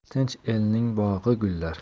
tinch elning bog'i gullar